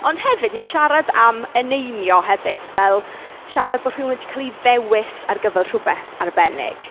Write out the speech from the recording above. Ond hefyd, ni'n siarad am eneinio hefyd fel siarad bod rhywun 'di cael ei ddewis ar gyfer rhywbeth arbennig.